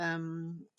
Yym.